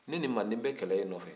ne ni manden bɛ kɛl'i nɔfɛ